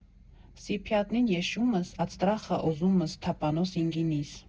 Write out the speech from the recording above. Սիփյատնին յեշումըս, ատ ստռախա օզումս թա պանոս ինգինիս։